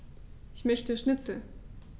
Ich möchte Schnitzel.